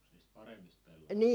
niistä paremmista pellavista